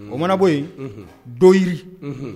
O mana bɔ yen, unhun, doyiri, unhun.